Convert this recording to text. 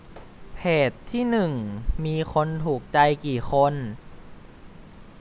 เพจที่หนึ่งมีคนถูกใจกี่คน